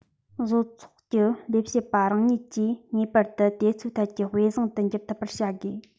བཟོ ཚོགས ཀྱི ལས བྱེད པ རང ཉིད ཀྱིས ངེས པར དུ དེ ཚོའི ཐད ཀྱི དཔེ བཟང དུ འགྱུར ཐུབ པར བྱ དགོས